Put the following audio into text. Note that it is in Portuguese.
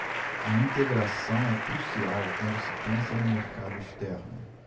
a integração é crucial quando se pensa no mercado externo